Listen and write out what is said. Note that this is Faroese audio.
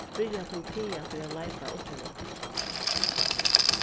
byrja tín kaga fyri at leita á internetinum